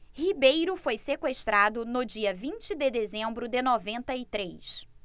ribeiro foi sequestrado no dia vinte de dezembro de noventa e três